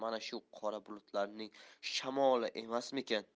mana shu qora bulutlarning shamoli emasmikan